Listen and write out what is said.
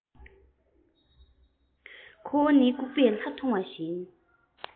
གླེང མོལ བྱེད པའི སྒྲས གནམ ས ཁེངས